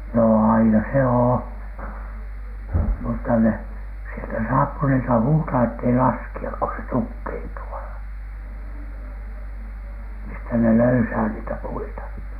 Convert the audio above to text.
no aina se on mutta ne sieltä saappanilta huutaa että ei laskea kun se tukkeutuu - mistä ne löysää niitä puita